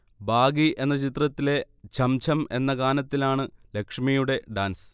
'baggy' എന്ന ചിത്രത്തിലെ 'ഛംഛം' എന്ന ഗാനത്തിനാണു ലക്ഷ്മിയുടെ ഡാൻസ്